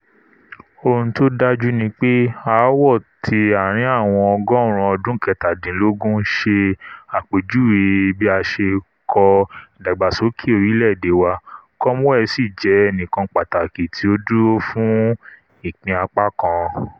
Ohun tó dáju nipé aáwọ̀ ti ààrin àwọn ọgọ́ọ̀rún ọdún kẹtàdínlógún se àpèjuwè bi a se kọ ìdàgbàsókè oríléède wa, Cromwell sìí jẹ ẹnìkan Pàtàkì tí o dúró fún ìpín apá kan.